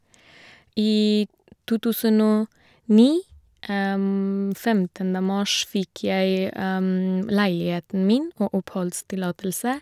I to tusen og ni, femtende mars, fikk jeg leiligheten min og oppholdstillatelse.